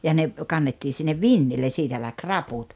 ja ne kannettiin sinne vintille siitä lähti raput